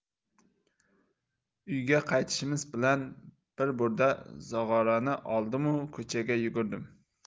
uyga qaytishimiz bilan bir burda zog'orani oldimu ko'chaga yugurdim